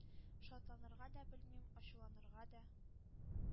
Шатланырга да белмим, ачуланырга да.